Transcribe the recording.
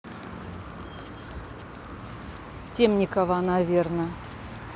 темникова наверно